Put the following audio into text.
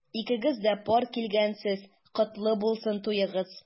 Икегез дә пар килгәнсез— котлы булсын туегыз!